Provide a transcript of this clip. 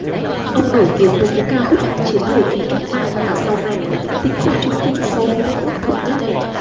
ông nổi tiếng với những ca khúc kháng chiến thời kỳ cách mạng và sau này là những tình khúc trữ tình sau khi đất nước thống nhất